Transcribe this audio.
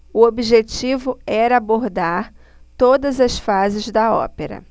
o objetivo é abordar todas as fases da ópera